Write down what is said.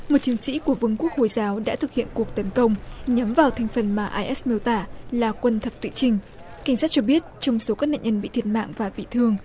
một chiến sĩ của vương quốc hồi giáo đã thực hiện cuộc tấn công nhắm vào thành phần mà ai ét miêu tả là quân thập tự chinh cảnh sát cho biết trong số các nạn nhân bị thiệt mạng và bị thương